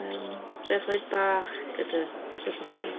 Yym, defaid bach gyda gyda nhw.